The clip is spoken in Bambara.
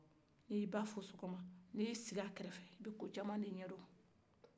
ni ye i ba fo sagoma ni ye i sigi a gɛrɛ fɛ i bɛ ko caman de ɲɛdɔn